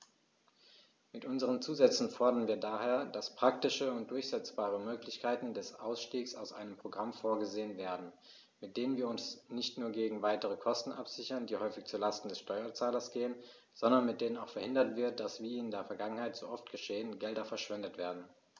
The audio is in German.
Mit unseren Zusätzen fordern wir daher, dass praktische und durchsetzbare Möglichkeiten des Ausstiegs aus einem Programm vorgesehen werden, mit denen wir uns nicht nur gegen weitere Kosten absichern, die häufig zu Lasten des Steuerzahlers gehen, sondern mit denen auch verhindert wird, dass, wie in der Vergangenheit so oft geschehen, Gelder verschwendet werden.